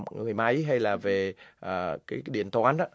người máy hay là về à điện toán đó